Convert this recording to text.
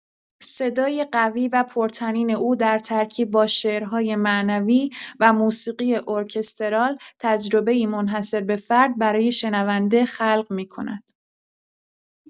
صدای قوی و پرطنین او در ترکیب با شعرهای معنوی و موسیقی ارکسترال، تجربه‌ای منحصربه‌فرد برای شنونده خلق می‌کند.